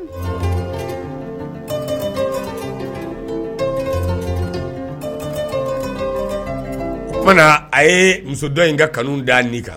a ye muso dɔ in ka kanu d'a nin kan.